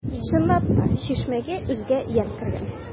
Чынлап та, чишмәгә үзгә ямь кергән.